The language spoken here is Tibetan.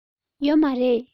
ཡོད མ རེད